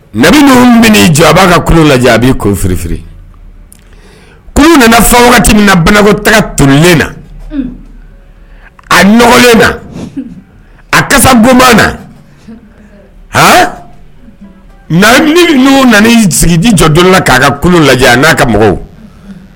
Bi minnu bɛ jɔ a b'a ka kun lajɛ a b'i ko kun nana fa wagati min banataa tunlen na a nɔgɔlen na a karisa bon na h na n nan sigiji jɔ dɔ la k'a ka lajɛ a n'a ka mɔgɔw